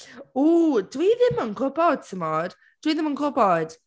Ww, dwi ddim yn gwybod, timod? Dwi ddim yn gwybod.